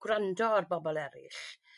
Gwrando a'r bobl eryll.